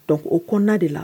Dɔnku o kɔnɔnana de la